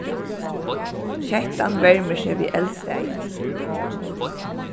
kettan vermir seg við eldstaðin